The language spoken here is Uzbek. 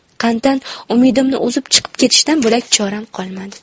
qanddan umidimni uzib chiqib ketishdan bo'lak choram qolmadi